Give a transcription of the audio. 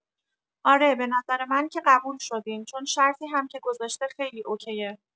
آره به نظر من که قبول شدین چون شرطی هم که گذاشته خیلی اوکیه